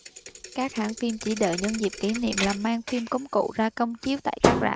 các hãng phim chỉ đợi những dịp kỷ niệm là mang phim cúng cụ ra công chiếu tại các rạp